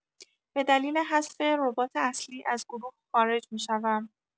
به دلیل حذف ربات اصلی از گروه خارج می‌شوم